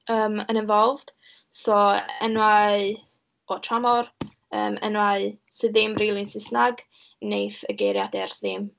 yym, yn involved so enwau o tramor, yym, enwau sy ddim rili'n Saesneg, wneith y geiriadur ddim...